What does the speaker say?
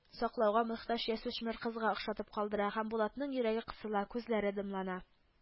Саклауга мохтаҗ ясүшмер кызга охшатып калдыра һәм булатның йөрәге кысыла, күзләре дымлана